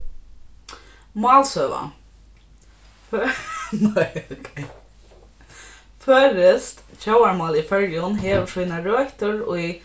málsøga føroyskt tjóðarmálið í føroyum hevur sínar røtur í